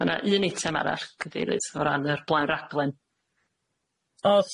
Ma' na un item arall cadeirydd o ran yr blaen raglen.